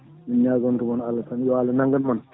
min ñagantu moon Allah tan yo Allah nanggan moon